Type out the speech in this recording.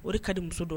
O de ka di muso don